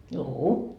juu